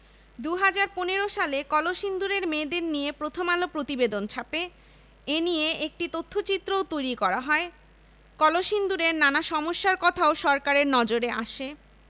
২০১৫ সালে কলসিন্দুরের মেয়েদের নিয়ে প্রথম আলো প্রতিবেদন ছাপে এ নিয়ে একটি তথ্যচিত্রও তৈরি করা হয় কলসিন্দুরের নানা সমস্যার কথাও সরকারের নজরে আসে